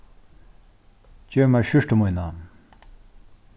gev mær skjúrtu mína